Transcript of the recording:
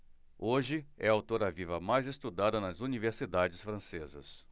hoje é a autora viva mais estudada nas universidades francesas